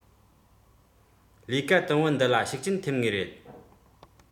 ལས ཀ དུམ བུ འདི ལ ཤུགས རྐྱེན ཐེབས ངེས རེད